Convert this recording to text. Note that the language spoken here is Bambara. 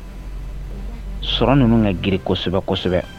Su ninnu ka grin kosɛbɛ